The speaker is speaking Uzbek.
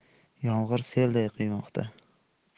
yomg'ir selday quymoqda